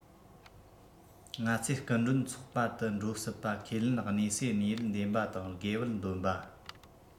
ང ཚོའི སྐུ མགྲོན ཚོགས པ དུ འགྲོ སྲིད པ ཁས ལེན གནས སའི གནས ཡུལ འདེམས པ དང དགེ བེད འདོན པ